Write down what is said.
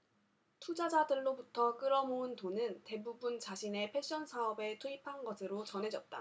투자자들로부터 끌어모은 돈은 대부분 자신의 패션사업에 투입한 것으로 전해졌다